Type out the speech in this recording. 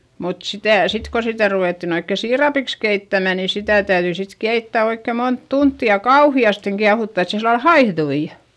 mutta sitä sitten kun sitä ruvettiin oikein siirapiksi keittämään niin sitä täytyi sitten keittää oikein monta tuntia ja kauheasti kiehuttaa että se sillä lailla haihtui